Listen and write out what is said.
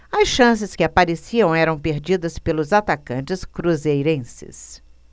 as chances que apareciam eram perdidas pelos atacantes cruzeirenses